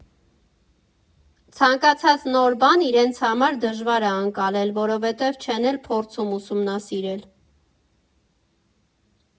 Ցանկացած նոր բան իրենց համար դժվար ա ընկալել, որովհետև չեն էլ փորձում ուսումնասիրել։